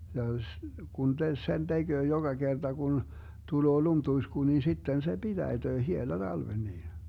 ja - kun - sen tekee joka kerta kun tulee lumituisku niin sitten se pitäityy hiela talven niin